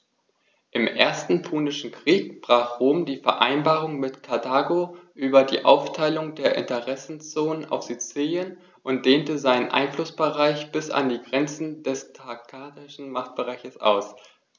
Im Ersten Punischen Krieg brach Rom die Vereinbarung mit Karthago über die Aufteilung der Interessenzonen auf Sizilien und dehnte seinen Einflussbereich bis an die Grenze des karthagischen Machtbereichs aus.